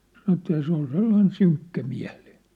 sanoi että ja se oli sellainen synkkämielinen